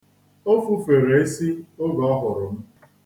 O fufere isi oge ọ hụrụ m.